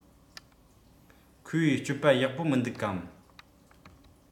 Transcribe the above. ཁོའི སྤྱོད པ ཡག པོ མི འདུག གམ